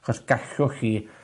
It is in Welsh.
'chos gallwch chi